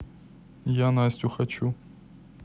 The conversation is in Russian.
я настю хочу